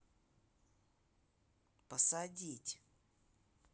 посадить